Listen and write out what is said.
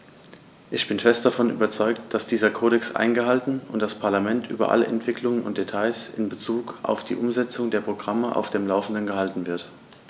Ich bin fest davon überzeugt, dass dieser Kodex eingehalten und das Parlament über alle Entwicklungen und Details in bezug auf die Umsetzung der Programme auf dem laufenden gehalten wird.